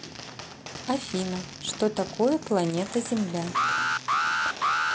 афина что такое планета земля